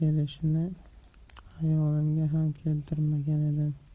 xayolimga ham keltirmagan edim